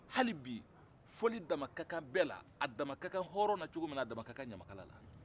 hali bi fɔli dama ka kan bɛɛ la a dama ka kan hɔrɔn na cogo min a dama ka kan ɲamakala ten